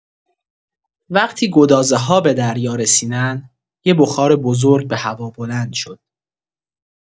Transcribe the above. وقتی گدازه‌ها به دریا رسیدن، یه بخار بزرگ به هوا بلند شد.